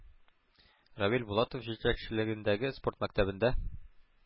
Равил Булатов җитәкчелегендәге спорт мәктәбендә